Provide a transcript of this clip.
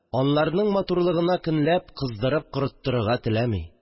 Анларның матурлыгына, көнләп, кыздырып корыттырырга теләми